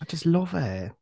I just love it.